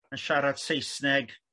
yn siarad Saesneg